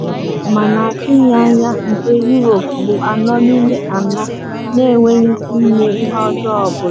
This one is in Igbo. Njikọ mara mma ma na atụghị anya nke Europe bụ anọ n’ime anọ n’enweghị ike ime ihe ọjọọ ọ bụla.